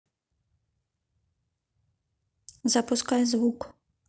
запускай звук